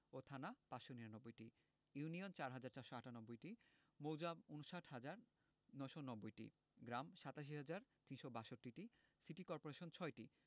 ও থানা ৫৯৯টি ইউনিয়ন ৪হাজার ৪৯৮টি মৌজা ৫৯হাজার ৯৯০টি গ্রাম ৮৭হাজার ৩৬২টি সিটি কর্পোরেশন ৬টি